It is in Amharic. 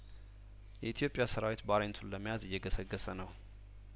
የኢትዮጵያ ሰራዊት ባሬንቱን ለመያዝ እየገሰገሰ ነው